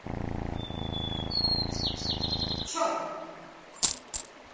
че ты